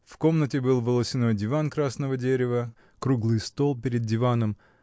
В комнате был волосяной диван красного дерева, круглый стол перед диваном